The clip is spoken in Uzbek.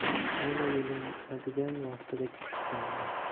ayni uylanadigan vaqtda ketishgandi